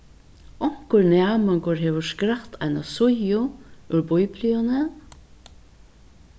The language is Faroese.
onkur næmingur hevur skrætt eina síðu úr bíbliuni